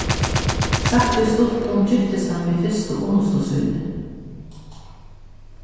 sagt í stuttum giftist hann við fyrstu unnustu síni